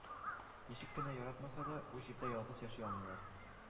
Ничек кенә яратмаса да, бу җирдә ялгыз яши алмыйлар